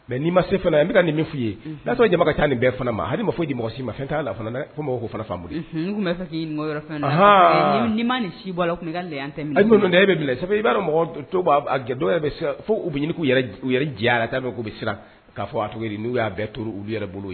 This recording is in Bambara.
Mɛ ni ma se fana bɛ ka nin min f' ye n'a ɲamakalama ka taa nin bɛɛ fana ma hali ma fɔ di mɔgɔmɔgɔ si ma fɛn' la fana ma ko fana fa si latɛ minnu e bɛ bila i b'a mɔgɔ to b'a dɔw bɛ fo u bɛ ɲini k' u yɛrɛ diyayara la'a k'o bɛ siran k'a fɔ a cogo n'u y'a bɛɛ to u yɛrɛ bolo ye